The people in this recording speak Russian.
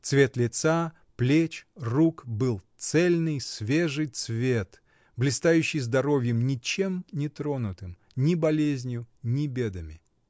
Цвет лица, плеч, рук — был цельный, свежий цвет, блистающий здоровьем, ничем не тронутым — ни болезнью, ни бедами.